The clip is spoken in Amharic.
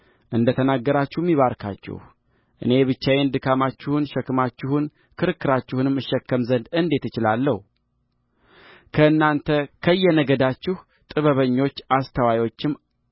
እንደ ተናገራችሁም ይባርካችሁእኔ ብቻዬን ድካምችሁን ሸክማችሁንም ክርክራችሁንም እሸከም ዘንድ እንዴት እችላለሁ ከእናንተ ከየነገዳችሁ ጥበበኞች አስተዋዮዎችም